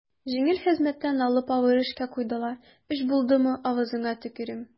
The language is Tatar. Җиңел хезмәттән алып авыр эшкә куйдылар, өч булдымы, авызыңа төкерим.